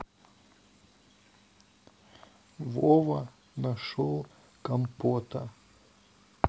вова нашел компота